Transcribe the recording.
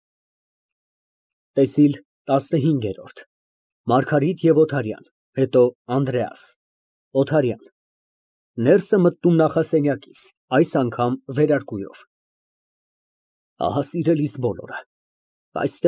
ՏԵՍԻԼ ՏԱՍՆՀԻՆԳԵՐՈՐԴ ՄԱՐԳԱՐԻՏ ԵՎ ՕԹԱՐՅԱՆ, հետո ԱՆԴՐԵԱՍ ՕԹԱՐՅԱՆ ֊ (Ներս է մտնում նախասենյակից, այս անգամ վերարկուով) Ահա, սիրելիս, բոլորը։ (Տալիս է մի ծրար)։